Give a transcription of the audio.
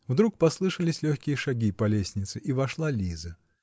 Вдруг послышались легкие шаги по лестнице -- и вошла Лиза.